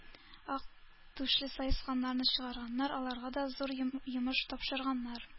Ак түшле саесканнарны чакырганнар, аларга да зур йомыш тапшырганнар.